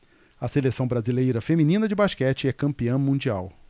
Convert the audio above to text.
a seleção brasileira feminina de basquete é campeã mundial